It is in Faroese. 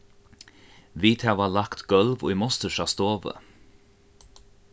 vit hava lagt gólv í mostursa stovu